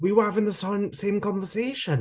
We were having the soim same conversation.